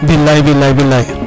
bilay bilay